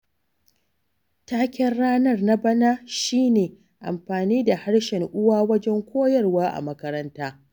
Taken Ranar na bana shi ne amfani da harshen uwa wajen koyarwa a makaranta.